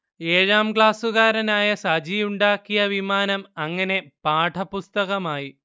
ഏഴാം ക്ലാസ്സുകാരനായ സജി ഉണ്ടാക്കിയ വിമാനം അങ്ങനെ പാഠപുസ്തകമായി